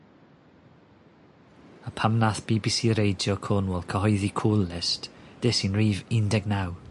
A pam nath Bee Bee See Radio Cornwal cyhoeddi cool list des i'n rif un deg naw.